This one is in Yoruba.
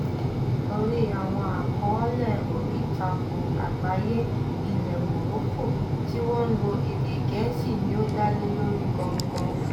Orí àwọn àkọọ́lẹ̀ oríìtakùn àgbáyé ilẹ̀ Morocco tí wọ́n ń lo èdè Gẹ̀ẹ́sì ní ó dá lé lórí gangan.